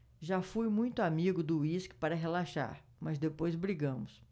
já fui muito amigo do uísque para relaxar mas depois brigamos